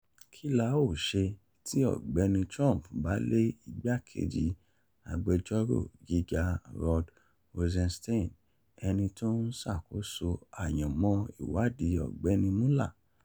Kí la ó ṣe tí Ọ̀gbẹ́ni Trump bá lé igbákejì Agbẹjọ́rò Gíga Rod Rosenstein, ẹni tó ń ṣàkóso àyànmọ́ Ìwádìí Ọ̀gbẹ́ni Mueller?